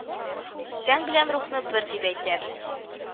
Тән белән рухны бер дип әйтәбез